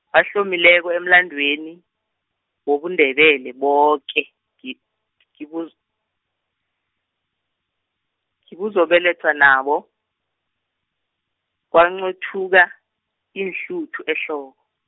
ahlomileko emlandweni, wobuNdebele boke ngi- ngibuz-, ngibuzobelethwa nabo, kwanqothuka, iinhluthu ehloko.